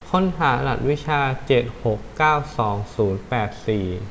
ค้นหารหัสวิชาเจ็ดหกเก้าสองศูนย์แปดสี่